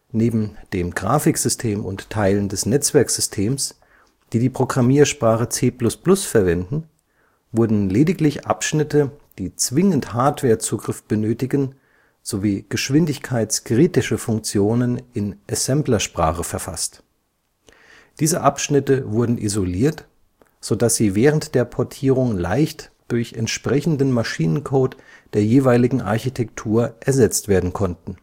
Neben dem Grafiksystem und Teilen des Netzwerksystems, die die Programmiersprache C++ verwenden, wurden lediglich Abschnitte, die zwingend Hardwarezugriff benötigen, sowie geschwindigkeitskritische Funktionen in Assemblersprache verfasst; diese Abschnitte wurden isoliert, sodass sie während der Portierung leicht durch entsprechenden Maschinencode der jeweiligen Architektur ersetzt werden konnten